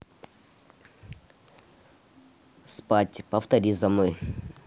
спать повтори за мной